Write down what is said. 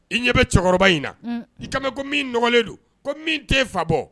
I ɲɛ bɛ cɛkɔrɔba in na n'i kama ko min nɔgɔlen don ko min t fa bɔ